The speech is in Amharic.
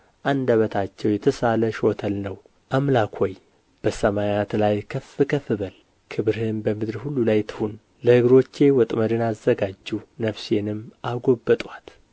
አንደበታቸው የተሳለ ሾተል ነው አምላክ ሆይ በሰማያት ላይ ከፍ ከፍ በል ክብርህም በምድር ሁሉ ላይ ትሁን ለእግሮቼ ወጥመድን አዘጋጁ ነፍሴንም አጐበጡአት